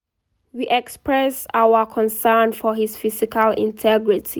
We express our concern for his physical integrity.